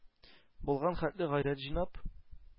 Булган хәтле гайрәт җыйнап: